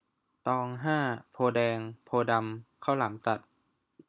ตองห้าโพธิ์แดงโพธิ์ดำข้าวหลามตัด